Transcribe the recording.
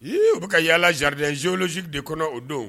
Ee u bɛ ka yala yaala zarid zeuru de kɔnɔ o don